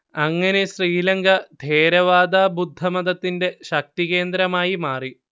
അങ്ങനെ ശ്രീലങ്ക ഥേരവാദ ബുദ്ധമതത്തിന്റെ ശക്തികേന്ദ്രമായി മാറി